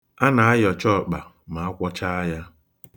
A na-ayọcha ọkpa ma a kwọchaa ya.